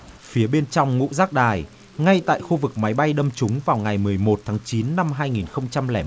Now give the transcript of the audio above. phía bên trong ngũ giác đài ngay tại khu vực máy bay đâm trúng vào ngày mười một tháng chín năm hai nghìn không trăm lẻ